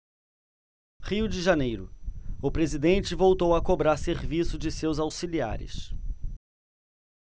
rio de janeiro o presidente voltou a cobrar serviço de seus auxiliares